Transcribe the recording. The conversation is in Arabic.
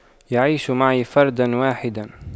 يعيش معي فردا واحدا